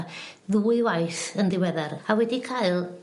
... ddwy waith yn ddiweddar a wedi cael